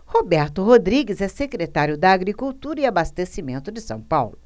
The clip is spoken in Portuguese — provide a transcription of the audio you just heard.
roberto rodrigues é secretário da agricultura e abastecimento de são paulo